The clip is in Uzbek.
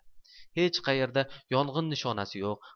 hech qaerda yong'in nishonasi yo'q